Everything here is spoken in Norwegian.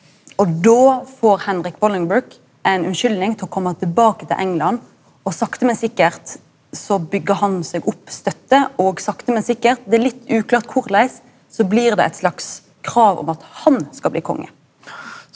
og då får Henrik Bullingbook ein unnskyldning til å komme tilbake til England og sakte men sikkert så bygger han seg opp støtte og sakte men sikkert, det er litt uklart korleis, så blir det eit slags krav om at han skal bli konge.